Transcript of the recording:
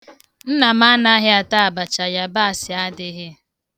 Nna m anaghị ata abacha yabasi adighị.